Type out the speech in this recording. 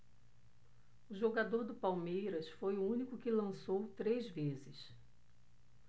o jogador do palmeiras foi o único que lançou três vezes